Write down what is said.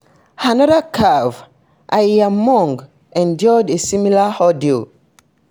Another calf, Ayeyar Maung, endured a similar ordeal.